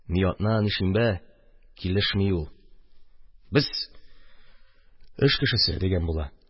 «ни атна, ни шимбә, килешми ул, без эш кешесе» дигән була.